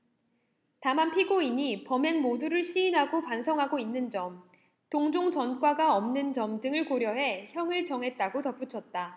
다만 피고인이 범행 모두를 시인하고 반성하고 있는 점 동종 전과가 없는 점 등을 고려해 형을 정했다고 덧붙였다